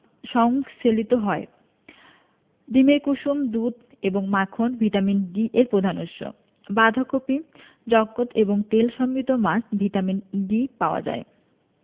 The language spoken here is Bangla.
সংশেষিত হয় ডিমের কুসুম দুধ এবং মাখন ভিটামিনডি এর পধান উৎস বাঁধাকপি যক্কৎ এবং তেল সমৃদ্ধ মাছে ভিটামিন ডি পাওয়া যায়